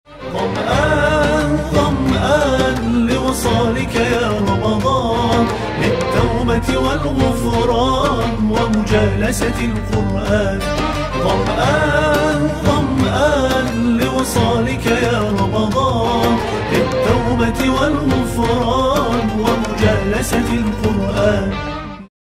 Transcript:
San le san kɛ mɔgɔ jamu bɛtidu sɔrɔ mɔgɔjɛ leri kun le san kɛ mɔgɔ jamu bɛti fɔ mɔgɔ lese kun